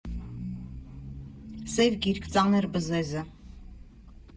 Սև գիրք, ծանր բզեզը։